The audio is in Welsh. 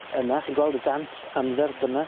Fynna chi'n gweld y dant anferth fynna?